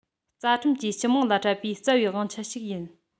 རྩ ཁྲིམས ཀྱིས སྤྱི དམངས ལ སྤྲད པའི རྩ བའི དབང ཆ ཞིག ཡིན